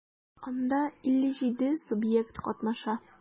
Анда 57 субъект катнаша.